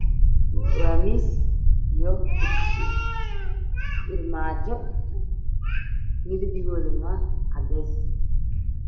Waxaa ii muuqda kuraas iyo miisas midabkoodii ay caddaan iyo arrimaha cadaan